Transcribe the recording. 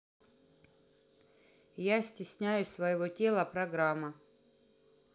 я стесняюсь своего тела программа